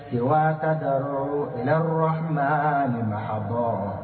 Jeliba waa ka dɔgɔtɔrɔ ma nin mahabɔ